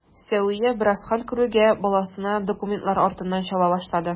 Сәвия, бераз хәл керүгә, баласына документлар артыннан чаба башлады.